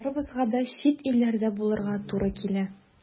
Барыбызга да чит илләрдә булырга туры килә.